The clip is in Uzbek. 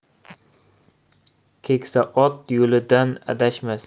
keksa ot yo'lidan adashmas